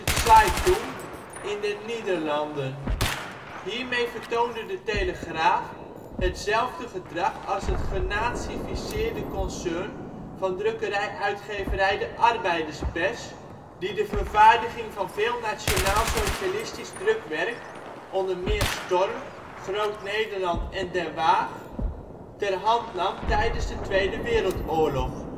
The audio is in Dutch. Zeitung in den Niederlanden. Hiermee vertoonde De Telegraaf hetzelfde gedrag als het genazificeerde concern van drukkerij/uitgeverij De Arbeiderspers, die de vervaardiging van veel nationaalsocialistisch drukwerk (onder meer Storm, Groot Nederland en De Waag) ter hand nam tijdens de Tweede Wereldoorlog